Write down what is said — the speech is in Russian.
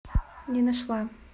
не нашла